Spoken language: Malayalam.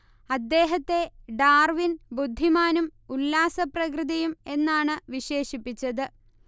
അദ്ദേഹത്തെ ഡാർവിൻ ബുദ്ധിമാനും ഉല്ലാസപ്രകൃതിയും എന്നാണ് വിശേഷിപ്പിച്ചത്